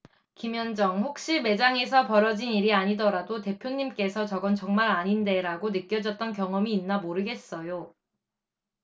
김현정 혹시 매장에서 벌어진 일이 아니더라도 대표님께서 저건 정말 아닌데 라고 느껴졌던 경험이 있나 모르겠어요